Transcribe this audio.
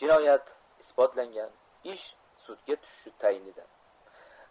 jinoyat isbotlangan ish sudga tushishi tayin edi